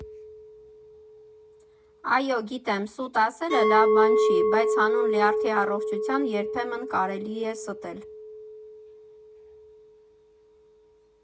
Այո, գիտեմ, սուտ ասելը լավ բան չի, բայց հանուն լյարդի առողջության երբեմն կարելի ստել։